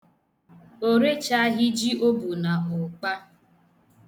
O rechaghị ji o bu n' ụkpa.